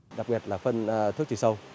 đặc biệt là phân a thuốc trừ sâu